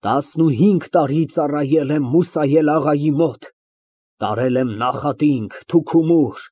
Տասնուհինգ տարի ծառայել եմ Մուսայել աղայի մոտ, տարել եմ նախատինք, թուքումուր։